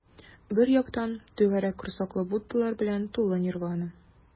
Бер яктан - түгәрәк корсаклы буддалар белән тулы нирвана.